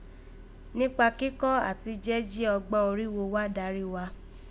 Níkpa kíkọ́ àti jẹ́ jí ọgbán orígho wa darí wa